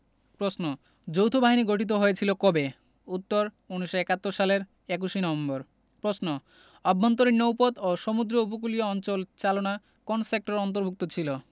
প্রশ্ন যৌথবাহিনী গঠিত হয়েছিল কবে উত্তর ১৯৭১ সালের ২১ নভেম্বর প্রশ্ন আভ্যন্তরীণ নৌপথ ও সমুদ্র উপকূলীয় অঞ্চল চালনা কোন সেক্টরের অন্তভু র্ক্ত ছিল